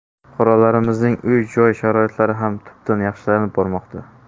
fuqarolarimizning uy joy sharoitlari ham tubdan yaxshilanib bormoqda